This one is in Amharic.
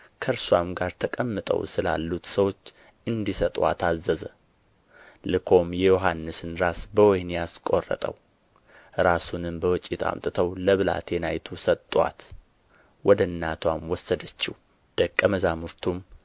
ከእርሱም ጋር ተቀምጠው ስላሉት ሰዎች እንዲሰጡአት አዘዘ ልኮም የዮሐንስን ራስ በወህኒ አስቆረጠው ራሱንም በወጭት አምጥተው ለብላቴናይቱ ሰጡአት ወደ እናትዋም ወሰደችው ደቀ መዛሙርቱም